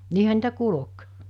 niinhän niitä kulki